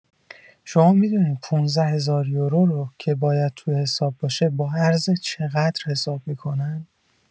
شما می‌دونین ۱۵۰۰۰ یورو رو که باید تو حساب باشه با ارز چقدر حساب می‌کنن؟